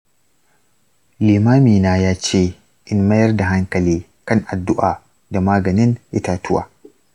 iimamina ya ce in mayar da hankali kan addu’a da magainin itatuwa.